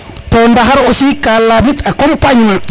to ndaxar aussi ka lamit accompagnement